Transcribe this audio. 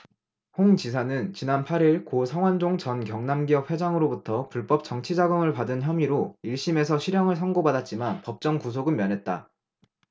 홍 지사는 지난 팔 일 고 성완종 전 경남기업 회장으로부터 불법 정치자금을 받은 혐의로 일 심에서 실형을 선고받았지만 법정 구속은 면했다